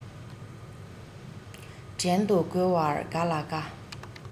བྲན དུ བཀོལ བར ག ལ དཀའ